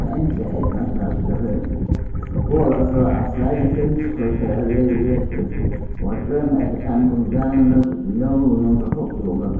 tað endiliga eydnaðist mær at síggja filmin boðað varð frá at fleiri filmskvøld fara at vera í vetur og at døma eftir teimum væl nøgdu ljóðunum frá publikum var